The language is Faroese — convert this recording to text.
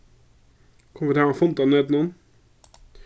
kunnu vit hava ein fund á netinum